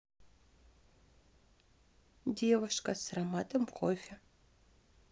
девушка с ароматом кофе